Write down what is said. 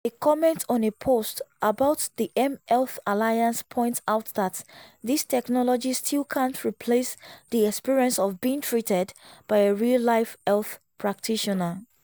A comment on a post about the mHealth Alliance points out that this technology still can't replace the experience of being treated by a real live health practitioner.